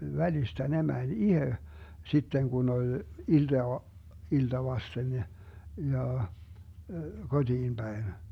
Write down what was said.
välistä ne meni itse sitten kun oli iltaa ilta vasten ne ja kotiin päin